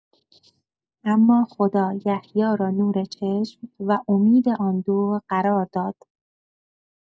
اما خدا یحیی را نور چشم، و امید آن دو قرار داد.